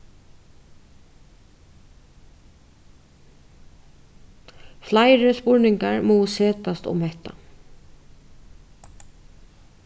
fleiri spurningar mugu setast um hetta